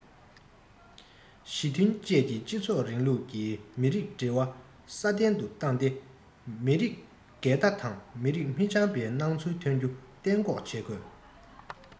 ཞི མཐུན བཅས ཀྱི སྤྱི ཚོགས རིང ལུགས ཀྱི མི རིགས འབྲེལ བ སྲ བརྟན དུ བཏང སྟེ མི རིགས འགལ ཟླ དང མི རིགས མི འཆམ པའི སྣང ཚུལ ཐོན རྒྱུ གཏན འགོག བྱེད དགོས